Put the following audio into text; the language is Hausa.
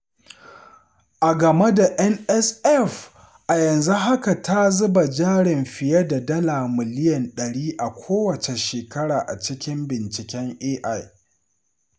A game da NSF, a yanzu haka ta zuba jarin fiye da dala miliyan 100 a kowace shekara a cikin binciken AI.